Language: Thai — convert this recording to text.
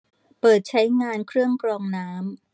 เปิดใช้งานเครื่องกรองน้ำ